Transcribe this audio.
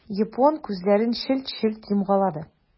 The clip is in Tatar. Япон күзләрен челт-челт йомгалады.